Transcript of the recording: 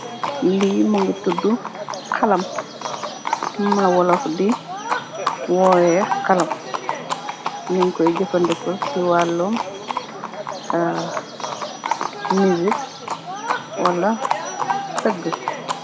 Li mugeh tuddu xalam . Mom la Wolof di wowè xalam, ñgi Koy jafandiko ci waluum mucik wala tagga.